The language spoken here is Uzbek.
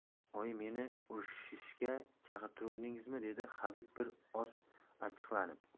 oyi meni urishishga chaqirtiruvdingizmi dedi habib bir oz achchiqlanib